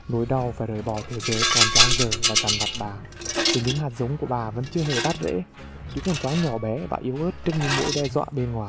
nỗi đau phải rời bỏ thế giới còn dang dở dằn vặt bà vì những hạt giống bà trồng vẫn chưa bắt rễ chúng còn quá nhỏ bé và yếu ớt trước những mối đe dọa bên ngoài